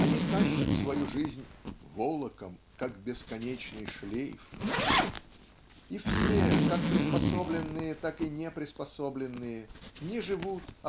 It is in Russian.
Они тащат свою жизнь "волоком, как бесконечный шлейф". И все как приспособленные так и неприспособленные не живут